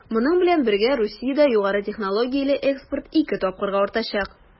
Моның белән бергә Русиядә югары технологияле экспорт 2 тапкырга артачак.